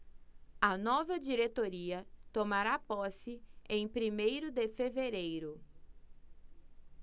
a nova diretoria tomará posse em primeiro de fevereiro